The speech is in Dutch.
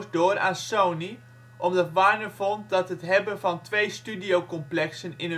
door aan Sony, omdat Warner vond dat het hebben van twee studiocomplexen in